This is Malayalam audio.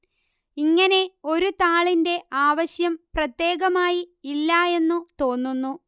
ഇങ്ങനെ ഒരു താളിന്റെ ആവശ്യം പ്രത്യേകമായി ഇല്ല എന്നു തോന്നുന്നു